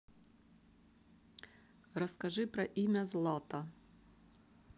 расскажи про имя злата